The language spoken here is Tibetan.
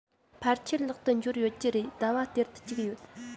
ཕལ ཆེར ལག ཏུ འབྱོར ཡོད ཀྱི རེད ཟླ བར སྟེར དུ བཅུག ཡོད